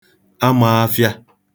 amāāfịā